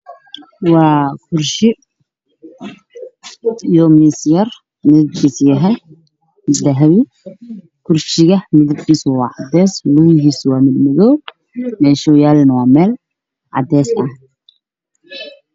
Waa kursi iyo miis oo dulsaari u yahay dabaal yar oo dahab ah kursi waa caddaan luisana waa madow beeshuu yaalana waa caddaan